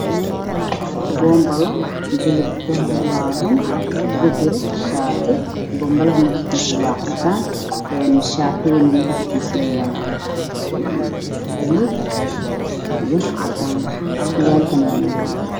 Boombalo jilbaha u laaban ugu juro shaati bombalaha midabkiisu waa cadan een shatigana midabkisa waa baluug iyo cadaan surwalkana waa madow